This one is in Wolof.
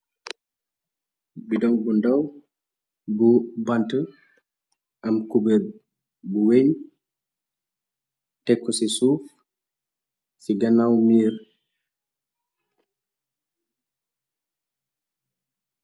bidaw bu ndaw bu bant am cubert bu weñ tekko ci suuf ci ganaaw miir